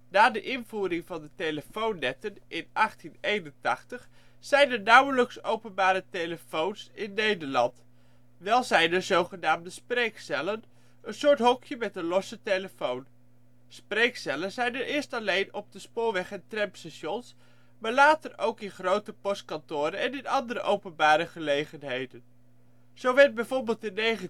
Na de invoering van de telefoonnetten in 1881 zijn er nauwelijks openbare telefoons in Nederland. Wel zijn er zogenaamde ' Spreekcellen ', een soort hokje met een losse telefoon. Spreekcellen zijn er eerst alleen op de spoorweg - en tramstations, maar later ook in grote postkantoren en in andere openbare gelegenheden. Zo werd bijvoorbeeld in 1903